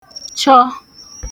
chọ